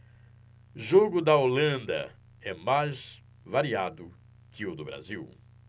jogo da holanda é mais variado que o do brasil